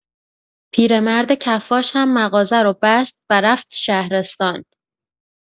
پیرمرد کفاش هم مغازه رو بست و رفت شهرستان.